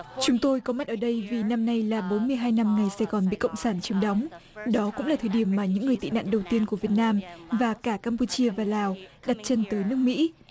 chúng tôi có mặt ở đây vì năm nay là bốn mươi hai năm nay sẽ còn bị cộng sản chiếm đóng đó cũng là thời điểm mà những người tị nạn đầu tiên của việt nam và cả cam pu chia lào đặt chân tới nước mỹ